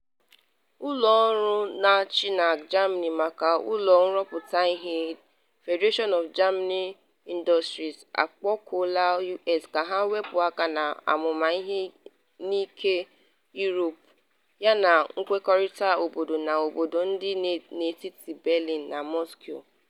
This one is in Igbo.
Ụlọ ọrụ na-achị na Germany maka ụlọ nrụpụta ihe, Federation of German Industries (BDI), akpọkuola US ka ha wepu aka na amụma ike nke Europe yana nkwekọrịta obodo na obodo dị n’etiti Berlin na Moscow.